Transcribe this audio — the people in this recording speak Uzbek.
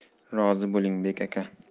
rozi bo'ling bek aka